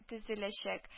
Төзеләчәк